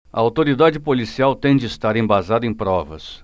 a autoridade policial tem de estar embasada em provas